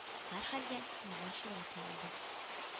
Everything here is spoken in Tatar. Һәрхәлдә, миңа шулай тоелды